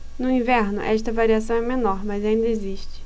no inverno esta variação é menor mas ainda existe